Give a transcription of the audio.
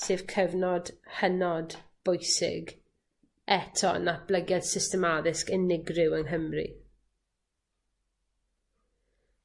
Sef cyfnod hynod bwysig eto yn natblygiad system addysg unigryw yng Nghymru.